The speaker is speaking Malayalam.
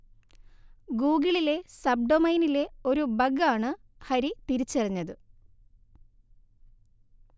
ഗൂഗിളിലെ സബ് ഡൊമൈനിലെ ഒരു ബഗ് ആണ് ഹരി തിരിച്ചറിഞ്ഞത്